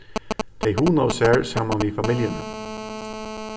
tey hugnaðu sær saman við familjuni